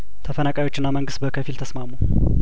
ተፈናቃዮችና መንግስት በከፊል ተስማሙ